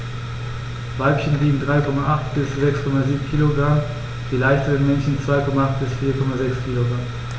Weibchen wiegen 3,8 bis 6,7 kg, die leichteren Männchen 2,8 bis 4,6 kg.